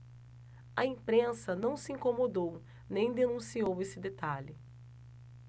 a imprensa não se incomodou nem denunciou esse detalhe